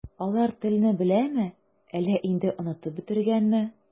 Алар телне беләме, әллә инде онытып бетергәнме?